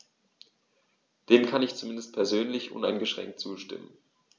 Dem kann ich zumindest persönlich uneingeschränkt zustimmen.